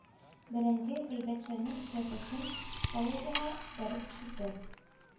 Бәрәңге байбәтчәнең эшләпәсен палубага бәреп төшерде.